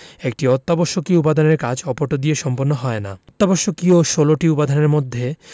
একটি অত্যাবশ্যকীয় উপাদানের কাজ অপরটি দিয়ে সম্পন্ন হয় না অত্যাবশ্যকীয় ১৬ টি উপাদানের মধ্যে